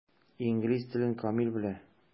Инглиз телен камил белә.